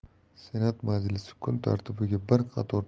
senat majlisi kun tartibiga